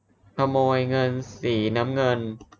ขโมยเงินสีน้ำเงิน